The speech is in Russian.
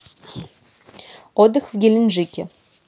отдых в геленджике